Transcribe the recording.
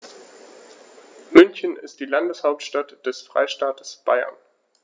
München ist die Landeshauptstadt des Freistaates Bayern.